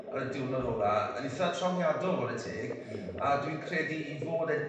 ar y diwrnod ola yn itha trawiadol 'ware teg. Hmm. A dwi'n credu 'i fod e